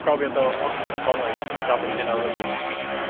profiad o orffen yn coleg, gafon ni myn' a odd o jys